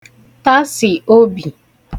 tasì obì